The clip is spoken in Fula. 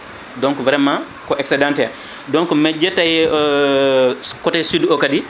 donc vraiment ko excédentaire donc mi ƴettay e sud coté sud o kadi